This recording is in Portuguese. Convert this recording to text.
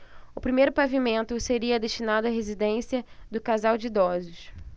o primeiro pavimento seria destinado à residência do casal de idosos